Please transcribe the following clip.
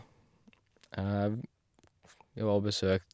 Vi var og besøk...